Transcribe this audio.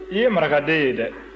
i ye marakaden ye dɛ